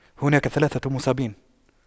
هناك ثلاثة مصابين